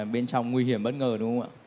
bên trong nguy hiểm bất ngờ đúng không ạ